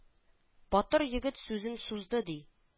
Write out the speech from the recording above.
Батыр егет сүзен сузды, ди: